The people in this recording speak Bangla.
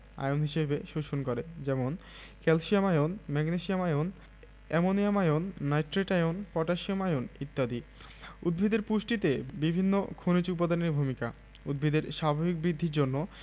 আয়ন হিসেবে শোষণ করে যেমন calcium ion magnesium ion ammonium ion nitrate ion potassium ion ইত্যাদি উদ্ভিদের পুষ্টিতে বিভিন্ন খনিজ উপাদানের ভূমিকা উদ্ভিদের স্বাভাবিক বৃদ্ধির জন্য